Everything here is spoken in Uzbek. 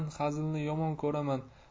hazilni yomon ko'raman